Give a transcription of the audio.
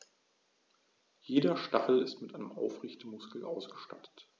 Jeder Stachel ist mit einem Aufrichtemuskel ausgestattet.